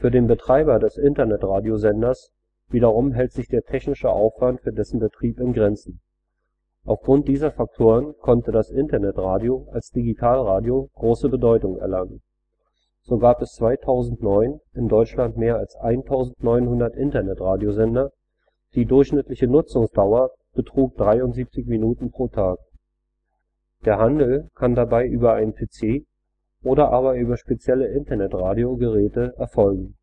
den Betreiber des Internetradio -„ Senders “wiederum hält sich der technische Aufwand für dessen Betrieb in Grenzen. Aufgrund dieser Faktoren könnte das Internetradio als Digitalradio große Bedeutung erlangen. So gab es 2009 in Deutschland mehr als 1900 Internetradiosender; die durchschnittliche Nutzungsdauer betrug 73 Minuten pro Tag. Der Empfang kann dabei über einen PC oder aber über spezielle Internetradiogeräte erfolgen